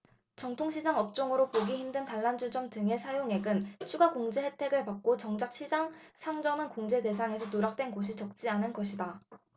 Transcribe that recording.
전통시장 업종으로 보기 힘든 단란주점 등의 사용액은 추가 공제 혜택을 받고 정작 시장 상점은 공제 대상에서 누락된 곳이 적지 않은 것이다